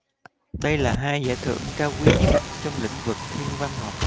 đây là hai giải thưởng cao quý nhất trong lĩnh vực thiên văn học